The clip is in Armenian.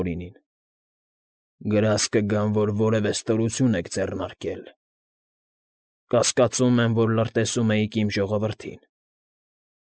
Տորինին։֊ Գրազ կգամ, որ որևէ ստորություն եք ձեռնարկել։֊ Կասկածում եմ, որ լրտեսում էիք իմ ժողովրդին։